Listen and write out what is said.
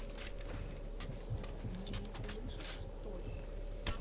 ты меня не слышишь что ли